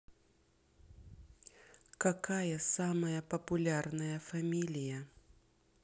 какая самая популярная фамилия